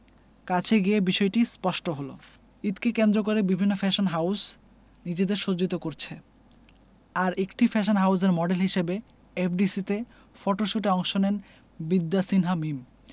কাছে গিয়ে বিষয়টি স্পষ্ট হলো ঈদকে কেন্দ্র করে বিভিন্ন ফ্যাশন হাউজ নিজেদের সজ্জিত করছে আর একটি ফ্যাশন হাউজের মডেল হিসেবে এফডিসিতে ফটোশ্যুটে অংশ নেন বিদ্যা সিনহা মীম